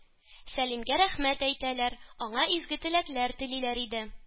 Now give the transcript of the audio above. Сәлимгә рәхмәт әйтәләр, аңа изге теләкләр телиләр иде.